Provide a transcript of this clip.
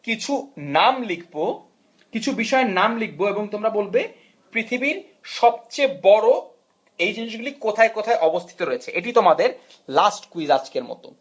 কিছু নাম লিখব বিষয়ের নাম লিখব এবং তোমরা বলবে পৃথিবীর সবচেয়ে বড় এই জিনিসগুলি কোথায় কোথায় অবস্থিত রয়েছে এটি তোমাদের লাস্ট কুইজ আজকের মত